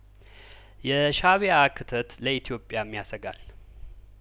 የሻእቢያክተት ለኢትዮጵያም ያሰጋል